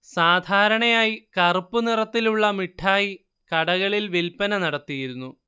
സാധാരണയായി കറുപ്പു നിറത്തിലുള്ള മിഠായി കടകളിൽ വിൽപ്പന നടത്തിയിരുന്നു